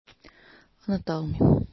Оныта алмыйм.